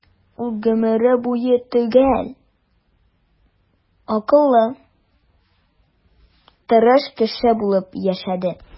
Ул гомере буе төгәл, акыллы, тырыш кеше булып яшәде.